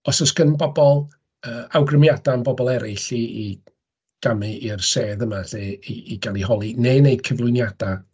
Os oes gan bobol yy awgrymiadau am bobol eraill i i gamu i'r sedd yma 'lly, i gael eu holi neu i wneud cyflwyniadau.